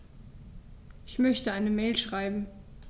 Ich möchte eine Mail schreiben.